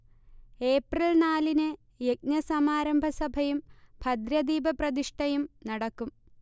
April നാലിന് യജ്ഞസമാരംഭസഭയും ഭദ്രദീപ പ്രതിഷ്ഠയും നടക്കും